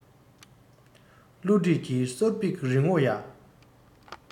བསླུ བྲིད ཀྱི གསོར འབིག རིང བོ ཡ